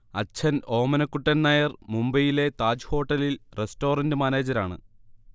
അച്ഛൻ ഓമനക്കുട്ടൻ നായർ മുബൈയിലെ താജ് ഹോട്ടലിൽ റസ്റ്റോറന്റ് മാനേജരാണ്